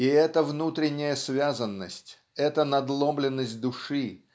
И эта внутренняя связанность эта надломленность души